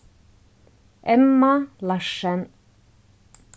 emma larsen